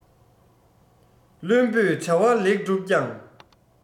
བླུན པོས བྱ བ ལེགས གྲུབ ཀྱང